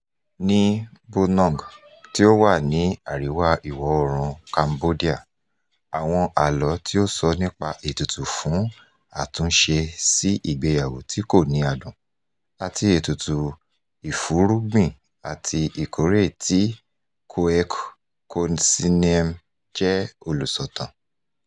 Ní Bunong, tí ó wà ní àríwá ìwọ-oòrùn Cambodia, àwọn àlọ́ tí ó sọ nípa ètùtù fún àtúnṣe sí ìgbéyàwó tí kò ní adùn àti ètùtù ìfọ́nrúgbìn àti ìkórè tí Khoeuk Keosineam jẹ́ asọ̀tàn.